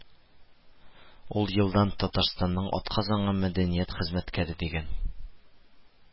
Ул елдан «Татарстанның атказанган мәдәният хезмәткәре» дигән